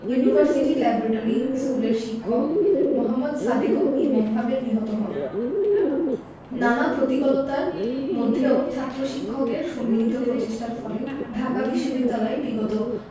university laboratory স্কুলের শিক্ষক মোহাম্মদ সাদেকও নির্মমভাবে নিহত হন নানা প্রতিকূলতার মধ্যেও ছাত্র শিক্ষকদের সম্মিলিত প্রচেষ্টার ফলে ঢাকা বিশ্ববিদ্যালয় বিগত